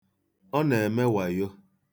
Ọ na-eme wayo.